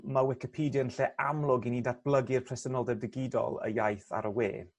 ma' wicipedia yn lle amlwg i ni datblygu'r presenoldeb digidol y iaith ar y we